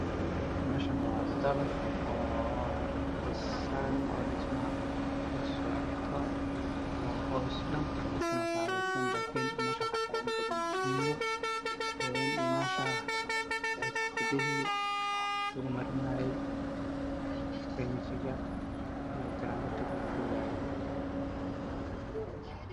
Meeshaan waxaa ka mid ah meel hool ah oo cidla ah waxay leedahay durba cadaan ah iyo shamiinta dhulka ah